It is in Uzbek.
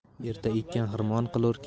erta ekkan xirmon qilur